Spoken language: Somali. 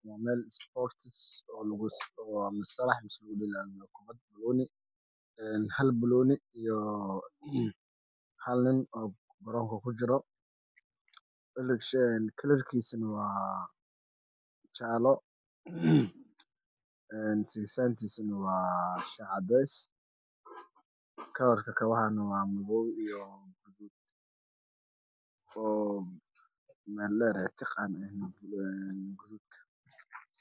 Waa meel is boortis oo salax lagu dheelo kubad banooni. hal banooni iyo hal banooni iyo nin oo garoonka ku jiro kalarkiisane waa jaallo sigisaan tiisane wa shaah cadays kalarka kabahana waa madow iyo gaduud oo meel dheer ah tiq aanan ahayn gaduud.